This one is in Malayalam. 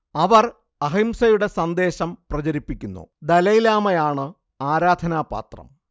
അവർ അഹിംസയുടെ സന്ദേശം പ്രചരിപ്പിക്കുന്നു ദലൈലാമയാണ് ആരാധനാപാത്രം